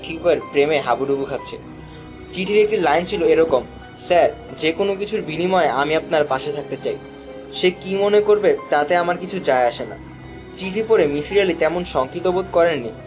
শিক্ষকের প্রেমে হাবুডুবু খাচ্ছে চিঠির একটি লাইন ছিল এ রকম স্যার যে-কোনাে কিছুর বিনিময়ে আমি আপনার পাশে থাকতে চাই কে কী মনে করবে তাতে আমার কিছু যায় আসে না চিঠি পড়ে মিসির আলি তেমন শঙ্কিত বােধ করেন নি